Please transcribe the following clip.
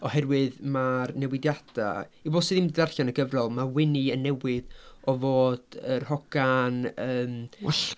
Oherwydd mae'r newidiadau, i bobl sydd ddim 'di darllen y gyfrol, mae Wini yn newid o fod yr hogan yym...